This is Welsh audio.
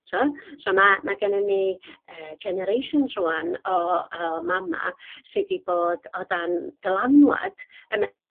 T'wo'? So ma' ma' gennon ni yy generations rŵan o o mama sy 'di bod o dan dylanwad y me-